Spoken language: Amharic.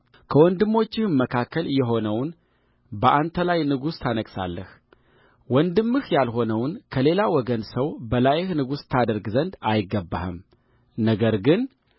ከወንድሞችህ መካከል የሆነውን በአንተ ላይ ንጉሥ ታነግሣለህ ወንድምህ ያልሆነውን ከሌላ ወገን ሰው በላይህ ንጉሥ ታደርግ ዘንድ አይገባህም ነገር ግን